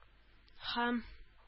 Һәм